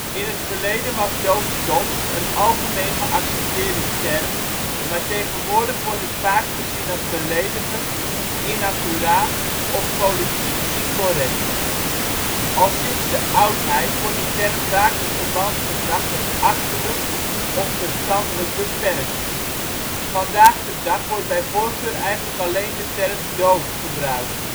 In het verleden was " doofstom " een algemeen geaccepteerde term, maar tegenwoordig wordt het vaak gezien als beledigend, inaccuraat of politiek incorrect. Al sinds de oudheid wordt de term vaak in verband gebracht met " achterlijk " of " verstandelijk beperkt ". Vandaag de dag wordt bij voorkeur eigenlijk alleen de term " doof " gebruikt